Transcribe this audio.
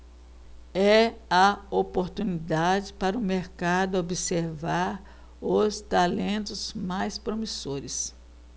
é a oportunidade para o mercado observar os talentos mais promissores